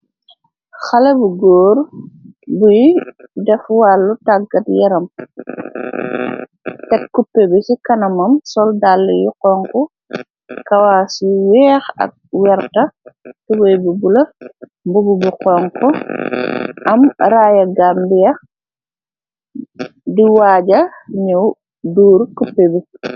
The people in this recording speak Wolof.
Xale bu góor buy def wàllu tàggat yaram, tek cuppe bi ci kanamam, sol daale yu xonxu, kawas yu weex ak werta, tubay bu bula, mbubu bu xonxu, am raaya Gambiya, di waaja ñuw duur kuppe bi.